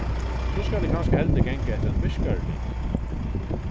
so skal eg kanska heldur ganga eftir einum myrkari liti